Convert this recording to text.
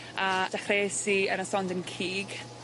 A dechreues i yn ystod yn cig.